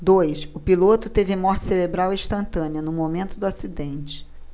dois o piloto teve morte cerebral instantânea no momento do acidente